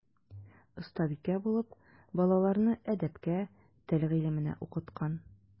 Остабикә булып балаларны әдәпкә, тел гыйлеменә укыткан.